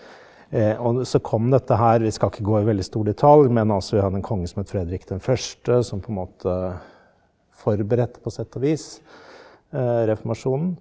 så kom dette her vi skal ikke gå i veldig stor detalj men altså vi hadde en konge som het Fredrik den første som på en måte forberedte på sett og vis reformasjonen.